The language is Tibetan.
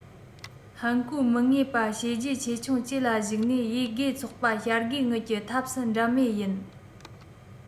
ཧན གོའི མིག མངས པ བྱས རྗེས ཆེ ཆུང བཅས ལ གཞིགས ནས དབྱེ བགོས ཚོགས པ བྱ དགའི དངུལ གྱི ཐབས སུ འགྲན མེད ཡིན